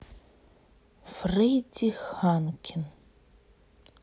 фредди ханкин